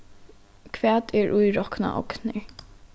hvat er íroknað ognir